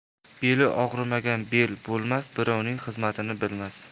beli og'rimagan bel bo'lmas birovning xizmatin bilmas